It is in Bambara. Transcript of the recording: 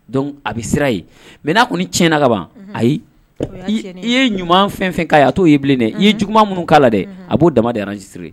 Donc a bɛ siran yen mɛ n'a kɔni ni tiɲɛna kaban ayi i ye ɲumanuma fɛn fɛn k' ye a'o y yei bilen dɛ i ye juma minnu k'a la dɛ a b'o dama desisiri